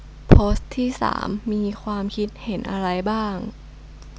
โพสต์ที่สามมีความคิดเห็นอะไรบ้าง